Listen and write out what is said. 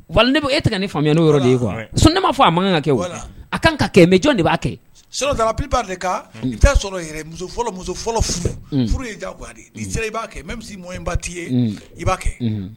Wa e tigɛ ne faamumu' yɔrɔ de ye kuwa sɔn ne maa fɔ a ma kan ka kɛ a kan ka kɛ mɛ jɔn de b'a kɛba de sɔrɔ muso furu furu ja nii sera i b'a mɛ misi mɔ ba' ye i b'a kɛ